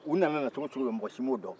u nana na cogo o cogo la mɔgɔ si m'o don